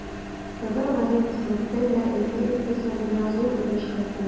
Татар гади хезмәттә дә өлкә икътисадына зур өлеш кертә.